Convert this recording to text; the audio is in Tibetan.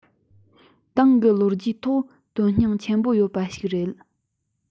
ཏང གི ལོ རྒྱུས ཐོག དོན སྙིང ཆེན པོ ཡོད པ ཞིག རེད